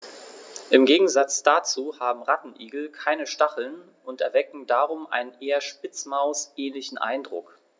Im Gegensatz dazu haben Rattenigel keine Stacheln und erwecken darum einen eher Spitzmaus-ähnlichen Eindruck.